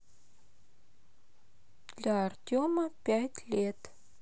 для артема пять лет